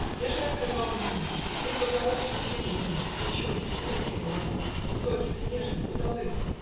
Где жаркое волненье, Где благородное стремленье И чувств и мыслей молодых, Высоких, нежных, удалых?